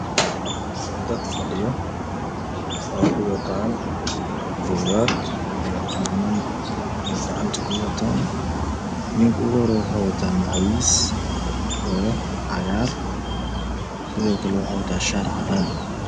Dad fadhiya waxey wataan buugag qalimaan